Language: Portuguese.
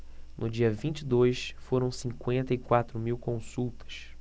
no dia vinte e dois foram cinquenta e quatro mil consultas